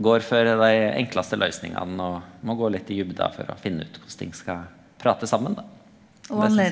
går for dei enklaste løysningane og må gå litt i djupet for å finne ut korleis ting skal prata saman då og det.